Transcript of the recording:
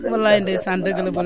walaay ndeysaan dëgg la bu leer